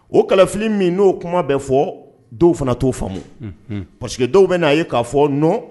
O kɛlɛfili min n'o kuma bɛ fɔ dɔw fana t'o faamu parce que dɔw bɛ n' aa ye k'a fɔ n